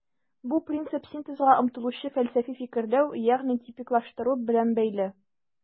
Бу принцип синтезга омтылучы фәлсәфи фикерләү, ягъни типиклаштыру белән бәйле.